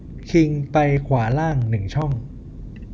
คิงไปขวาล่างหนึ่งช่อง